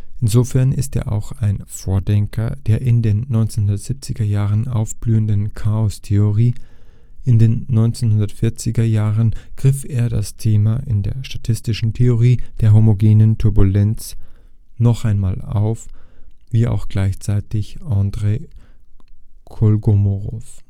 Insofern ist er auch ein Vordenker der in den 1970er Jahren aufblühenden Chaostheorie. In den 1940er Jahren griff er das Thema in der statistischen Theorie der homogenen Turbulenz noch einmal auf, wie auch gleichzeitig Andrei Kolmogorov